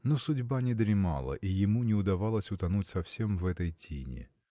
Но судьба не дремала, и ему не удавалось утонуть совсем в этой тине.